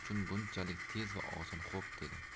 uchun bunchalik tez va oson xo'p dedi